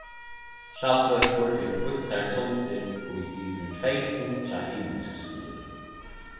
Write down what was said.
skjaldbøkur eru býttar sundur í yvir tvey hundrað ymisk sløg